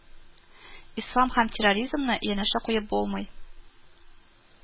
Ислам һәм терроризмны янәшә куеп булмый